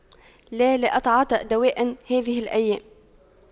لا لا أتعاطى دواء هذه الأيام